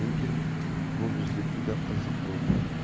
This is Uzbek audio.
lekin bu bizga juda qiziq bo'ldi